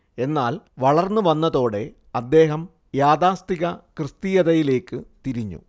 എന്നാൽ വളർന്നു വന്നതോടെ അദ്ദേഹം യാഥാസ്ഥിക ക്രിസ്തീയതയിലേക്കു തിരിഞ്ഞു